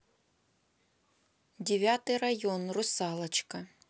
девятый район русалочка